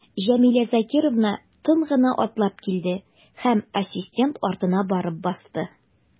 Җәмилә Закировна тын гына атлап килде һәм ассистент артына барып басты.